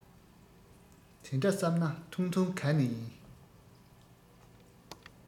དེ འདྲ བསམས ན ཐུང ཐུང ག ནས ཡིན